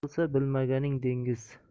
bilganing daryo bo'lsa bilmaganing dengiz